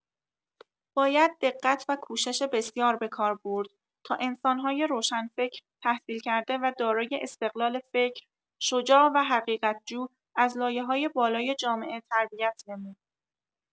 باید دقت و کوشش بسیار به کار برد تا انسان‌های روشنفکر تحصیل‌کرده و دارای استقلال فکر - شجاع و حقیقت‌جو، از لایه‌های بالای جامعه تربیت نمود.